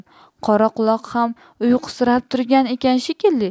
qoraquloq ham uyqusirab turgan ekan shekilli